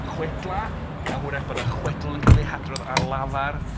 Chwedlau, a hwyrach bod y chwedl yn cael ei hadrodd ar lafar.